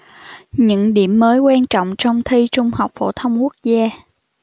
những điểm mới quan trọng trong thi trung học phổ thông quốc gia